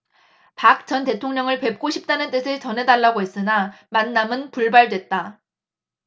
박 전 대통령을 뵙고 싶다는 뜻을 전해달라고 했으나 만남은 불발됐다